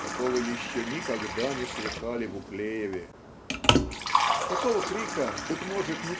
какого еще никогда не слыхали в Уклееве" такого крика быть может